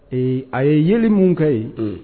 Ee a ye yelen mun ka ye